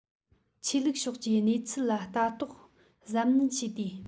ཆོས ལུགས ཕྱོགས ཀྱི གནས ཚུལ ལ ལྟ རྟོག གཟབ ནན བྱས ཏེ